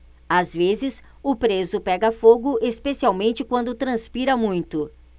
às vezes o preso pega fogo especialmente quando transpira muito